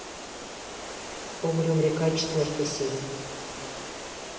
угрюм река четвертая серия